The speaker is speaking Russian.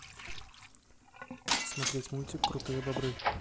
смотреть мультик крутые бобры